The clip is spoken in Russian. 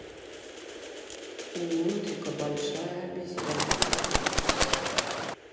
у лунтика большая обезьяна